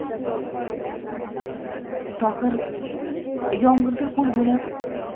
tohir yomg'irda ho'l bo'lib